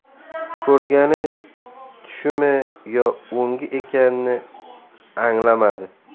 ko'rgani tushimi yo o'ngi ekanini anglamadi